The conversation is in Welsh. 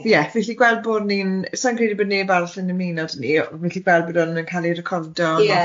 Ie fi'n gellu gweld bod ni'n sa i'n credu bod neb arall yn ymuno dâ ni fi'n gellu gweld bod nhw'n cael ei recordo'n... Ie.